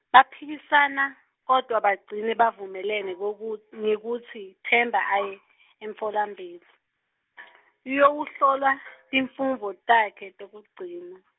baphikisana kodvwa bagcine bavumelene kwuku- ngekutsi, Themba aye emtfolamphilo, uyewuhlola tifundvo takhe tekugcina.